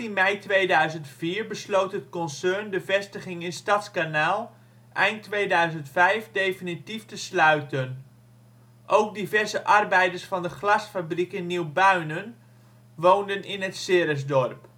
mei 2004 besloot het concern de vestiging in Stadskanaal eind 2005 definitief te sluiten. Ook diverse arbeiders van de glasfabriek in Nieuw-Buinen woonden in het Ceresdorp